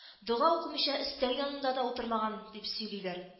Дога укымыйча өстәл янына да утырмаган, дип сөйлиләр